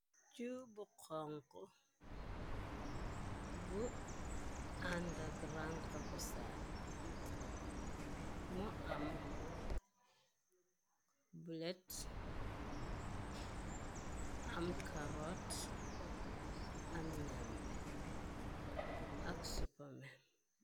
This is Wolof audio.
Chuu bu xong bu andag rang bi sab. Mo am blet am karot am nyambe ak supame.